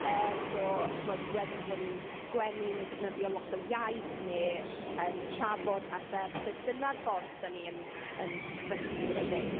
Yym so, chimod, gwedwch bo' ni'n sgwennu neu defnyddio lot o iaith neu yym trafod pethe. Falle dyna'r ffordd dan ni'n yn cysylltu gyda Duw.